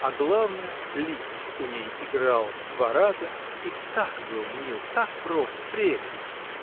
а главное, Лист у ней играл два раза и так был мил, так прост -- прелесть!